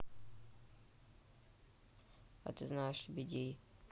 а ты знаешь лебедей